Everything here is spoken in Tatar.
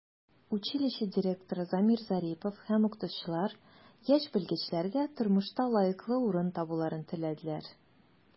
Училище директоры Замир Зарипов һәм укытучылар яшь белгечләргә тормышта лаеклы урын табуларын теләделәр.